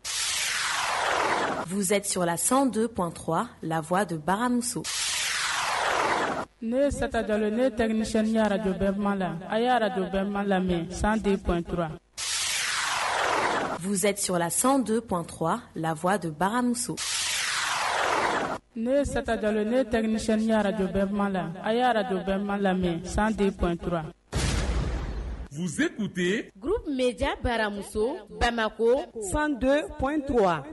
Buzɛtila don p panɔnttu laya don bagan so nesatalo necni ara don bɛla a y'a ara don bɛma lamɛn san den ptura buzɛtilasan don p panttu la don bagan so nesatalo ne tagcɛnni ara don bɛpla a y'a ara don bɛma lamɛn san den pturazete g mja baramuso bamakɔko fando ptu wa